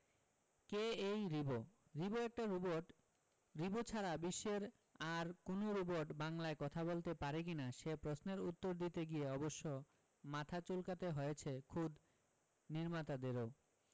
কে এই রিবো রিবো একটা রোবট রিবো ছাড়া বিশ্বের আর কোনো রোবট বাংলায় কথা বলতে পারে কি না সে প্রশ্নের উত্তর দিতে গিয়ে অবশ্য মাথা চুলকাতে হয়েছে খোদ নির্মাতাদেরও